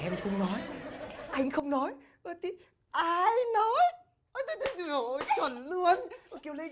em không nói anh không nói ơ thì ai nói ui dồi ôi chuẩn luôn ôi kiều linh